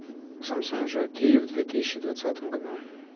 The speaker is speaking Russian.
samsung джой три в две тысячи двадцатом году